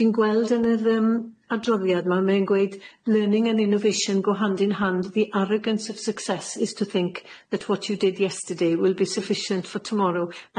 Fi'n gweld yn yr yym adroddiad 'ma mae'n gweud learning and innovation go hand in hand the arrogance of success is to think that what you did yesterday will be sufficient for tomorrow.